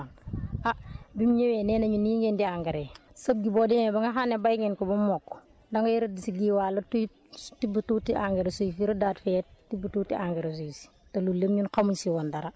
wax dëgg ñu ngi koy sant di ko ñaanal ah bim ñëwee nee nañu nii ngeen di engrais sëb bi boo demee ba nga xam ne béy ngeen ko ba mu mokk dangay rëdd si jiwaale te it tibb tuuti engrais suy si rëddaat fee it tibb tuuti engrais suy si